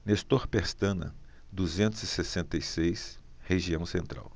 nestor pestana duzentos e sessenta e seis região central